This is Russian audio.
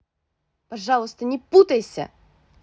пожалуйста не путайся